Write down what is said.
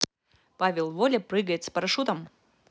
павел воля прыгает с парашютом